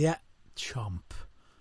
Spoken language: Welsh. Ie, chomp.